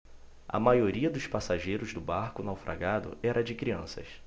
a maioria dos passageiros do barco naufragado era de crianças